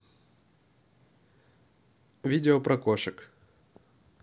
видео про кошек